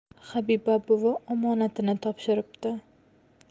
habiba buvi omonatini topshiribdi